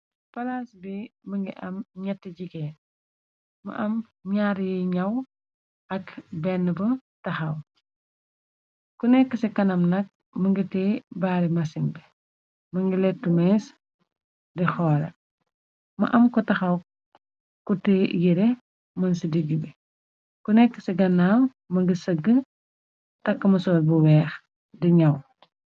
Palas bi mu ngi am ñetti jigeen mu am ñaari yi ñdaw ak benna bau taxaw. Ku nèkka ci kanam nag mu ngi teyeh baari masin bi mugii lèttu més di xooleh. Mu am ko taxaw ku teyeh yirèh mung ci digg bi . Ku nekka ci ganaw mugii sëgg tàkka mesor bu weex di ñaw.